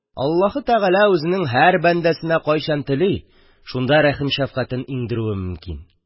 Аллаһы Тәгалә үзенең һәр бәндәсенә кайчан тели шунда рәхим-шәфкатен иңдерүе мөмкин